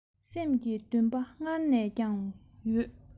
སེམས ཀྱི འདུན པ སྔར ནས བཅངས ཡོད